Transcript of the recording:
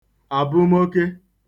àbụmoke